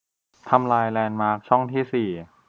ทำลายแลนด์มาร์คช่องที่สี่